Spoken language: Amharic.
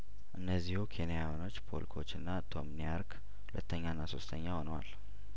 እነዚሁ ኬኒያውያኖች ፖል ኮችናቶም ኒያርክ ሁለተኛና ሶስተኛ ሆነዋል